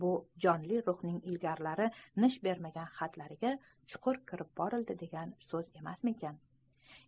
bu jonli ruhning ilgarilari noma'lum bo'lgan hadlariga chuqur kirib boriladi degan so'z emasmikin